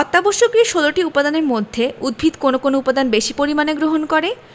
অত্যাবশ্যকীয় ১৬ টি উপাদানের মধ্যে উদ্ভিদ কোনো কোনো উপাদান বেশি পরিমাণে গ্রহণ করে